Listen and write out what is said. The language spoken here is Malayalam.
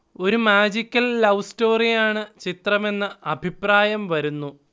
ഒരു മാജിക്കൽ ലൌവ് സ്റ്റോറിയാണ് ചിത്രമെന്ന് അഭിപ്രായം വരുന്നു